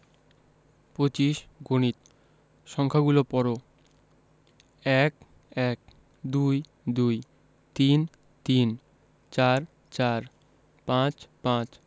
২৫ গণিত সংখ্যাগুলো পড়ঃ ১ এক ২ দুই ৩ তিন ৪ চার ৫ পাঁচ